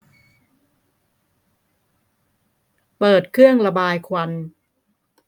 เปิดเครื่องระบายควัน